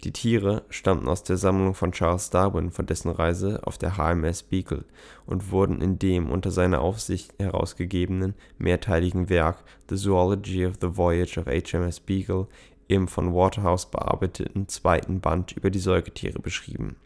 Tiere stammten aus der Sammlung von Charles Darwin von dessen Reise auf der HMS Beagle und wurden in dem unter seiner Aufsicht herausgegebenen mehrteiligen Werk The Zoology of the Voyage of H.M.S. Beagle im von Waterhouse bearbeiteten zweiten Band über die Säugetiere beschrieben